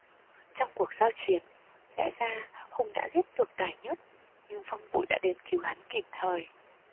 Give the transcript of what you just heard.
trong cuộc giao chiến lẽ ra hùng đã giết được tài nhớt nhưng phong bụi đã đến cứu hắn kịp thời